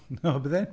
O bydden?